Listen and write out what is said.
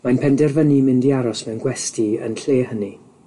Mae'n penderfynu mynd i aros mewn gwesty yn lle hynny.